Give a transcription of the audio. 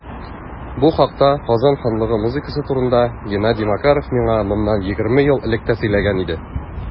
Бу хакта - Казан ханлыгы музыкасы турында - Геннадий Макаров миңа моннан 20 ел элек тә сөйләгән иде.